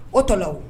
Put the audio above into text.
O tɔlaw